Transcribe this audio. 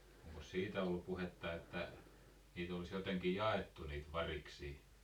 onkos siitä ollut puhetta että niitä olisi jotenkin jaettu niitä variksia